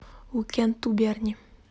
уикенд у берни